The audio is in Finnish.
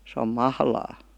se on mahlaa